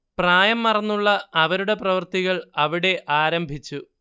പ്രായം മറന്നുള്ള അവരുടെ പ്രവർത്തികൾ അവിടെ ആരംഭിച്ചു